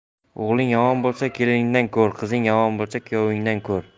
o'g'ling yomon bo'lsa keliningdan ko'r qizing yomon bo'lsa kuyovingdan ko'r